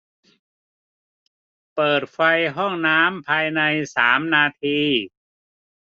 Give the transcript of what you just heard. เปิดไฟห้องน้ำภายในสามนาที